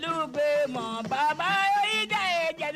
Tulo bɛ bamaba yejɛ